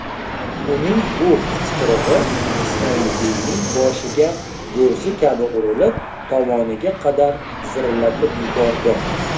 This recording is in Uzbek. uning bu qichqirig'i ismoilbeyning boshiga gurzi kabi urilib tovoniga qadar zirillatib yubordi